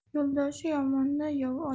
yo'ldoshi yomonni yov olar